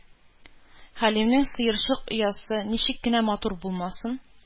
Хәлимнең сыерчык оясы, ничек кенә матур булмасын,